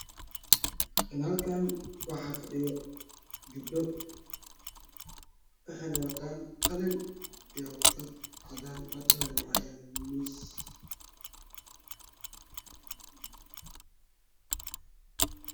Halkaan waxaa fadhiyo gabdho waxay wataan qalin iyo warqad cadaan ah hortooda waxaa yaalo miis.